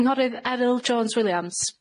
Cynghorydd Eryl Jones Williams.